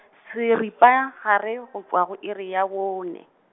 seripagare go tšwa go iri ya bone.